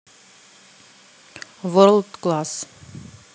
ворлд класс